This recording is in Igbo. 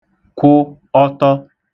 kwụ ọtọ